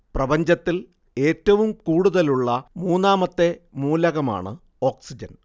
പ്രപഞ്ചത്തില്‍ ഏറ്റവും കൂടുതലുള്ള മൂന്നാമത്തെ മൂലകമാണ് ഓക്സിജന്